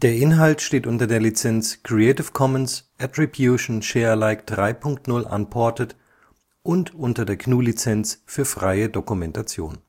Inhalt steht unter der Lizenz Creative Commons Attribution Share Alike 3 Punkt 0 Unported und unter der GNU Lizenz für freie Dokumentation